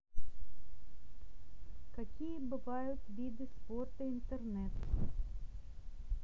какие бывают виды спорта интернет